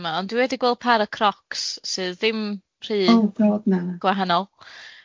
yma, ond dwi wedi gweld pâr o crocs sydd ddim rhy gwahanol.